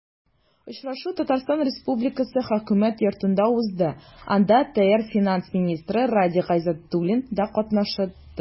Очрашу Татарстан Республикасы Хөкүмәт Йортында узды, анда ТР финанс министры Радик Гайзатуллин да катнашты.